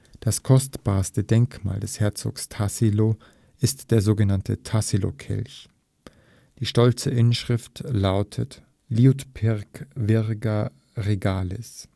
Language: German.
Das kostbarste Denkmal des Herzogs Tassilo ist der sogenannte Tassilokelch. Die stolze Inschrift lautet: Tassilo dux fortis - Liutpirc virga regalis